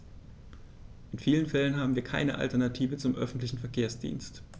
In vielen Fällen haben wir keine Alternative zum öffentlichen Verkehrsdienst.